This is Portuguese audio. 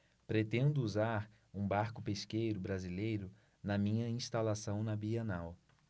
pretendo usar um barco pesqueiro brasileiro na minha instalação na bienal